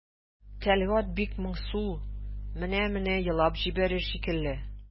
Тәлгать бик моңсу, менә-менә елап җибәрер шикелле.